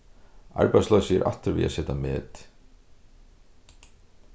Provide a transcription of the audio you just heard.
arbeiðsloysið er aftur við at seta met